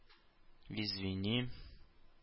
Извини